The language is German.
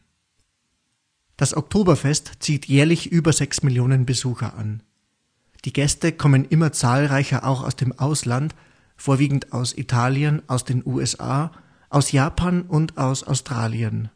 Das Oktoberfest zieht jährlich über 6 Millionen Besucher an. Die Gäste kommen immer zahlreicher auch aus dem Ausland, vorwiegend aus Italien, aus den USA, aus Japan und aus Australien